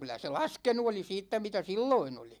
kyllä se laskenut oli siitä mitä silloin oli